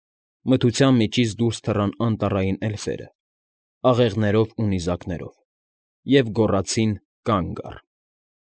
Մթության միջից դուրս թռան անտառային էլֆերը՝ աղեղներով ու նիզակներով, և գոռացին. «Կա՛նգ առ»։